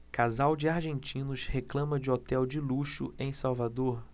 casal de argentinos reclama de hotel de luxo em salvador